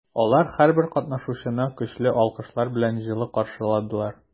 Алар һәрбер катнашучыны көчле алкышлар белән җылы каршыладылар.